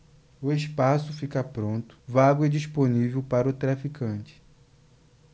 o espaço fica portanto vago e disponível para o traficante